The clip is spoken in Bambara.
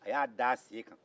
a y'a d'a sen kan